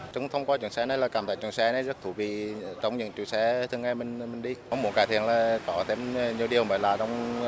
chúng thông qua chuyến xe này là cảm giác chuyến xe này rất thú vị trong những chuyến xe từ ngày minh đi có muốn cải thiện là có thêm nhiều điều mới lạ trong